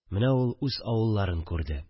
Менә ул үз авылларын күрде